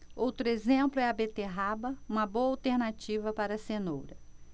outro exemplo é a beterraba uma boa alternativa para a cenoura